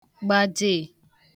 gbade